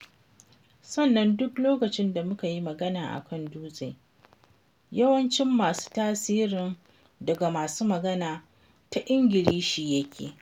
Sannan duk lokacin da muka yi magana a kan Dutse, yawancin masu tasirin daga masu magana da Ingilishi yake.